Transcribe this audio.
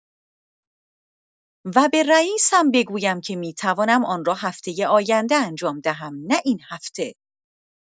و به رئیسم بگویم که می‌توانم آن را هفته آینده انجام دهم، نه این هفته.